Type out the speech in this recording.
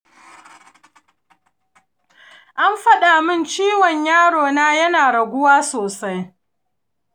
an faɗa min ciwon yaro na yana raguwa sosai.